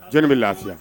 Jɔnni bɛ lafiya ?